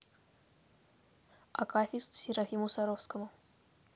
акафист серафиму саровскому